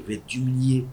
Est diminué